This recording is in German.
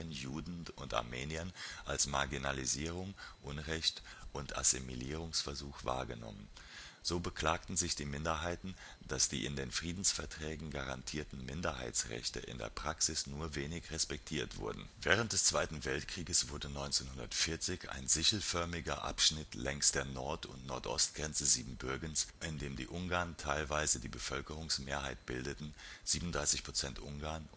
Juden und Armeniern als Marginalisierung, Unrecht und Assimilierungsversuch wahrgenommen. So beklagten sich die Minderheiten, dass die in den Friedensverträgen garantierten Minderheitsrechte in der Praxis nur wenig respektiert wurden. Nordsiebenbürgen, von Ungarn annektiert Während des Zweiten Weltkrieges wurde 1940 ein sichelförmiger Abschnitt längs der Nord - und Nordostgrenze Siebenbürgens, in dem die Ungarn teilweise die Bevölkerungsmehrheit bildeten (37 % Ungarn